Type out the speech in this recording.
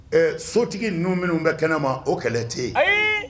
Ɛ sotigi ninnu minnu bɛ kɛnɛ ma o kɛlɛ tɛ yen